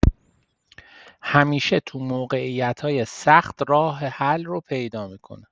همیشه تو موقعیتای سخت راه‌حل رو پیدا می‌کنه.